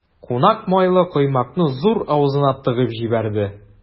Кунак майлы коймакны зур авызына тыгып җибәрде.